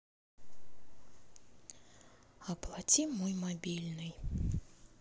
оплати мой мобильный